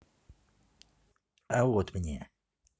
а вот мне